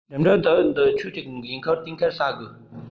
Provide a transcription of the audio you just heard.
འགྲིམ འགྲུལ དུམ བུ འདི ཁྱོད ཀྱི འགན ཁུར གཏན འཁེལ བྱ དགོས